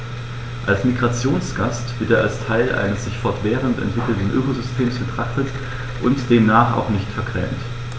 Als Migrationsgast wird er als Teil eines sich fortwährend entwickelnden Ökosystems betrachtet und demnach auch nicht vergrämt.